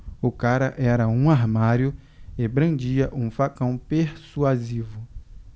o cara era um armário e brandia um facão persuasivo